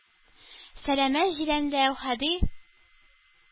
Сәләмә җиләнле Әүхәди,